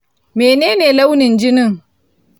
menene launin jinin